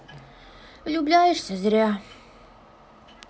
влюбляешься зря